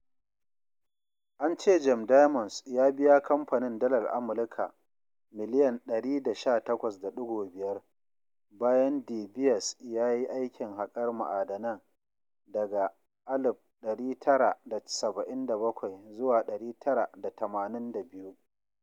An ce Gem Diamonds ya biya kamfanin dalar Amurka miliyan 118.5 bayan De Beers ya yi aikin haƙar ma'adanan daga 1977 zuwa 1982.